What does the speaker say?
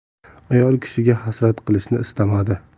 ayol kishiga hasrat qilishni istamadi